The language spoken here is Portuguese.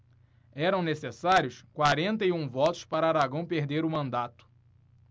eram necessários quarenta e um votos para aragão perder o mandato